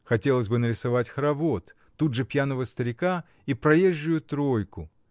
Хотелось бы нарисовать хоровод, тут же пьяного старика и проезжую тройку.